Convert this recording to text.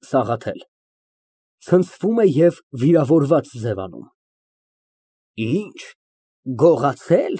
ՍԱՂԱԹԵԼ ֊ (Ցնցվում է և վիրավորված ձևանում) Ի՞նչ, գողացե՞լ։